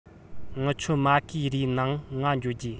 ངི ཆོ མ གིའི རུ ནང ང འགྱོ རྒྱུ